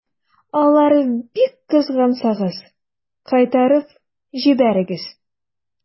Алай бик кызгансагыз, кайтарып җибәрегез.